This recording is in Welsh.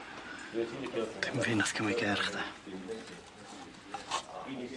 Dim fi nath cymryd ger chdi.